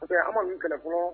Parce que an ma ninnu kɛlɛ fɔlɔ